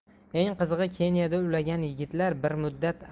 eng qizig'i keniyada ulagan yigitlar bir muddat